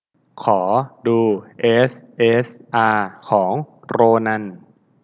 ขอดูเอสเอสอาของโรนัน